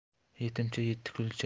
yetimcha yetti kulcha